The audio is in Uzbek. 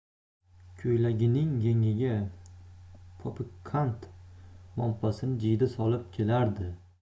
ko'ylagining yengiga popukqand monpasi jiyda solib kelardi